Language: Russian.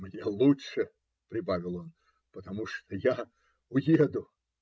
- Мне лучше, - прибавил он: - потому что я уеду.